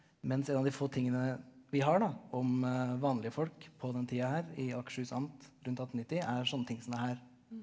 mens en av de få tingene vi har da om vanlige folk på den tida her i Akershus amt rundt 1890 er sånne ting som det er her.